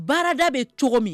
Baarada bɛ cogo min